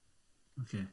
Oce